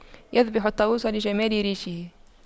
يذبح الطاووس لجمال ريشه